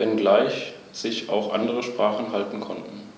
in der Rechtsordnung, die vom Grundsatz her in die modernen Rechtsnormen eingeflossen sind.